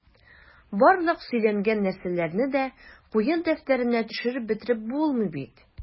Барлык сөйләнгән нәрсәләрне дә куен дәфтәренә төшереп бетереп булмый бит...